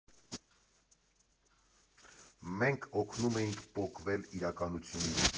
Մենք օգնում էինք պոկվել իրականությունից։